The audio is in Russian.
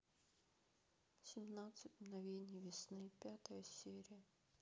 семнадцать мгновений весны пятая серия